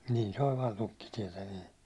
niin se oli vain tukkitietä niin